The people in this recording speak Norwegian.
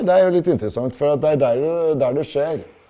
det er jo litt interessant, for at det er der det der det skjer.